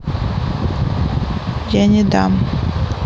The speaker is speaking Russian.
я не дам